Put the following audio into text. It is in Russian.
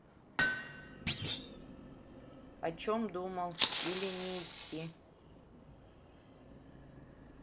о чем подумал или не идти